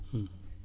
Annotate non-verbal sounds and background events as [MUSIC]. [HESITATION] [HESITATION]